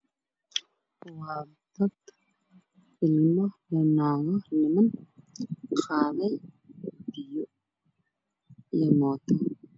Waa guryo biyo ku saabsan fatahaan waxaa ku dhex jiro dad bajaaj ayaa u dhow